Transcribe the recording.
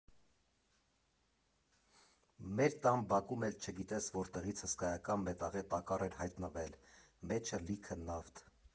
Մեր տան բակում էլ չգիտես որտեղից հսկայական մետաղե տակառ էր հայտնվել՝ մեջը լիքը նավթ։